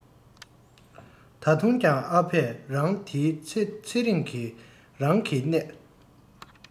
ད དུང ཀྱང ཨ ཕས རང དེའི ཚེ ཚེ རིང གི རང གི གནད